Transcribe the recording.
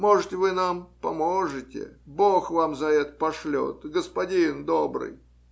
Может, вы нам поможете; бог вам за это пошлет, господин добрый!